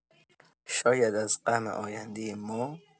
شاید از غم آیندۀ ما